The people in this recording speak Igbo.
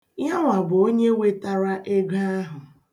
Yanwa bụ onye wetara ego ahụ.